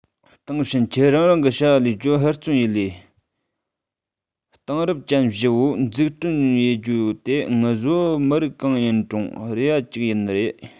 དེང ཕྱིན ཆད རང རང གི བྱ བ ལས རྒྱུའོ ཧུར བརྩོན ཡེད ལས དེང རབས ཅན བཞི བོ འཛུགས སྐྲུན ཡེད རྒྱུའོ དེ ངུ བཟོ མི རིགས གང ཡིན དྲུང རེ བ ཅིག ཡིན ནི རེད